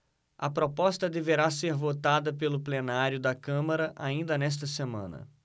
a proposta deverá ser votada pelo plenário da câmara ainda nesta semana